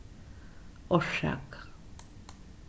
orsaka